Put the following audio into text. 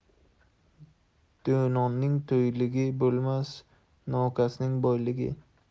do'nonning toyligi bo'lmas nokasning boyligi